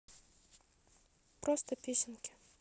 просто песенки